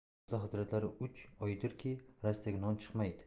mirzo hazratlari uch oydirki rastaga non chiqmaydi